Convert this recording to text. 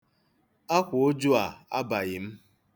Akwaụjụ a abaghị m.